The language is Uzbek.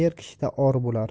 er kishida or bo'lar